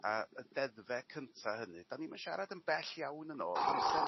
a y deddfe cynta hynny 'dan ni 'im yn siarad yn bell iawn yn ôl amser